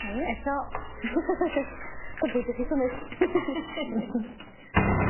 'Na ni eto sa'm pwynt i chi symud.